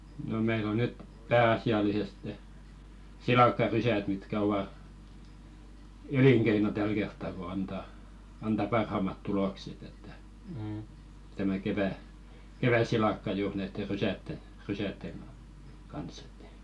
no meillä on nyt pääasiallisesti silakkarysät mitkä ovat elinkeino tällä kertaa kun antaa antaa parhaammat tulokset että tämä - kevätsilakka juuri näitte rysien rysien - kanssa että